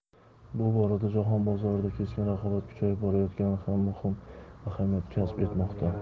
bu borada jahon bozorida keskin raqobat kuchayib borayotgani ham muhim ahamiyat kasb etmoqda